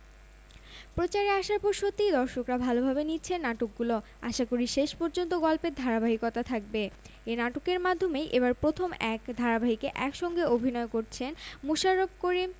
প্রচারে আসার পর সত্যিই দর্শকরা ভালোভাবে নিচ্ছেন নাটকগুলো আশাকরি শেষ পর্যন্ত গল্পের ধারাবাহিকতা থাকবে এ নাটকের মাধ্যমেই এবারই প্রথম এক ধারাবাহিকে একসঙ্গে অভিনয় করছেন মোশাররফ করিম